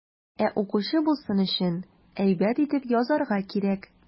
Ә укучы булсын өчен, әйбәт итеп язарга кирәк.